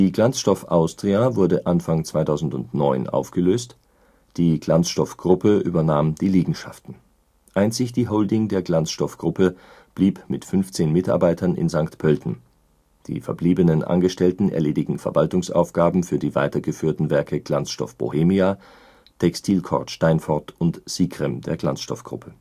Glanzstoff Austria wurde Anfang 2009 aufgelöst, die Glanzstoff-Gruppe übernahm die Liegenschaften. Einzig die Holding der Glanzstoff-Gruppe blieb mit 15 Mitarbeitern in St. Pölten, die verblieben Angestellten erledigen Verwaltungsaufgaben für die weitergeführten Werke Glanzstoff Bohemia, Textilcord Steinfort und Sicrem der Glanzstoff-Gruppe